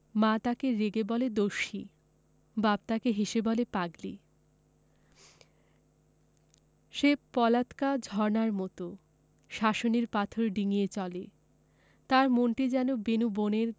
মা তাকে রেগে বলে দস্যি বাপ তাকে হেসে বলে পাগলি সে পলাতকা ঝরনার জল শাসনের পাথর ডিঙ্গিয়ে চলে তার মনটি যেন বেনূবনের